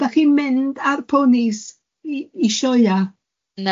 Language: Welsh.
'Da chi'n mynd ar ponis i i sioea?